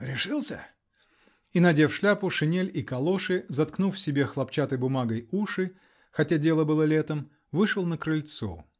решился?" -- и, надев шляпу, шинель и калоши, заткнув себе хлопчатой бумагой уши, хотя дело было летом, вышел на крыльцо.